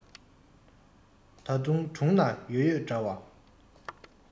ད དུང དྲུང ན ཡོད ཡོད འདྲ བ